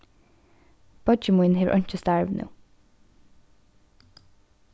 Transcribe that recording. beiggi mín hevur einki starv nú